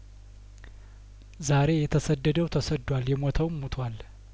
ዛሬ የተሰደደው ተሰዷል የሞተውም ሙቷል